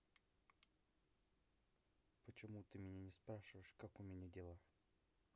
почему ты у меня не спрашиваешь как у меня дела